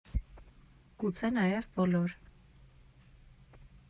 Գուցե նաև բոլոր։